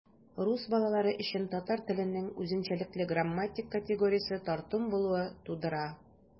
Рус балалары өчен татар теленең үзенчәлекле грамматик категориясе - тартым булуы тудыра.